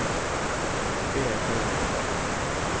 hvagar fóru tey